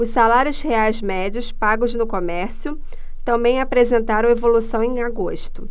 os salários reais médios pagos no comércio também apresentaram evolução em agosto